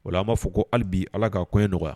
Ola an b'a fɔ ko hali bi, Ala ka koɲɛ nɔgɔya.